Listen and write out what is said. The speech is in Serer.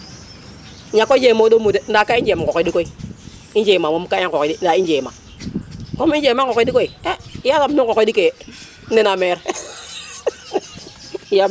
ñaka jemo ɗomi nda ka i njem ŋoxiɗ koy i njema moom ka i ŋoxiɗ nda i njema comme i njema ŋoxiɗ koy e yasam nu ŋoxiɗ ke nena maire